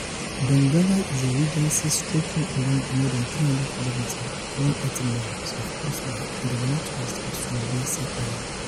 Donggala is a regency stretching along more than 300 km (180 miles) of coastline in the northwest of Sulawesi island.